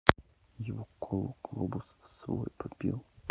его колу глобус свой попил